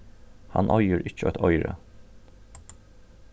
hann eigur ikki eitt oyra